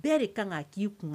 Bɛɛ de kan ka k'i kun